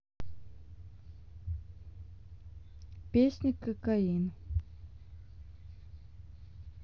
песня кокаин